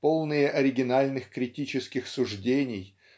полные оригинальных критических суждений